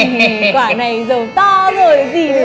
quả này giàu to rồi gì nữa